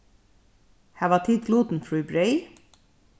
hava tit glutenfrí breyð